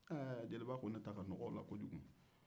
jeliba ko ne ta ka nɔgɔ o la koyi